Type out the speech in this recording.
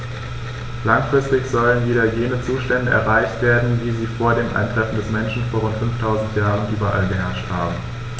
Langfristig sollen wieder jene Zustände erreicht werden, wie sie vor dem Eintreffen des Menschen vor rund 5000 Jahren überall geherrscht haben.